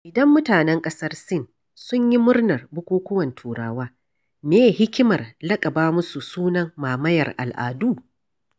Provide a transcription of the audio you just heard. Idan mutanen ƙasar Sin suka yi murnar bukukuwan Turawa, me ye hikimar laƙaba musu sunan mamayar al'adu?